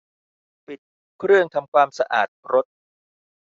ปิดเครื่องทำความสะอาดรถ